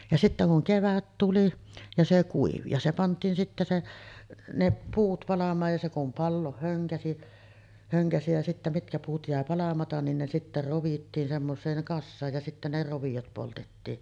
ja sitten kun kevät tuli ja se kuivui ja se pantiin sitten se ne puut palamaan ja se kun palaa hönkäisi hönkäisi ja sitten mitkä puut jäi palamatta niin ne sitten rovittiin semmoiseen kasaan ja sitten ne roviot poltettiin